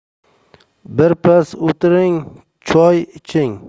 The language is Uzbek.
birpas o'tiring choy iching